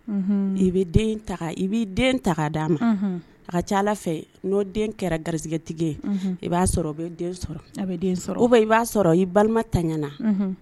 ' ta d di ma a ka ca ala fɛ'o den kɛra garigɛtigi i b' sɔrɔ b'a sɔrɔ balima tayana